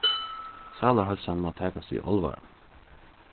sálarheilsan má takast í álvara